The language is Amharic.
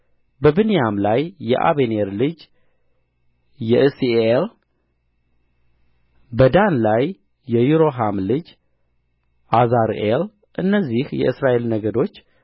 በብንያም ላይ የአበኔር ልጅ የዕሢኤል በዳን ላይ የይሮሐም ልጅ ዓዛርኤል እነዚህ የእስራኤል ልጆች ነገዶች